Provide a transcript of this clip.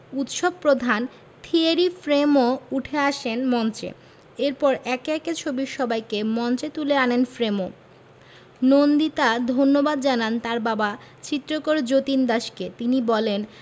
উৎসব প্রধান Thierry Fremaux উঠে আসেন মঞ্চে এরপর একে একে ছবির সবাইকে মঞ্চে তুলে আনেন ফ্রেমো নন্দিতা ধন্যবাদ জানান তার বাবা চিত্রকর যতীন দাসকে তিনি বলেন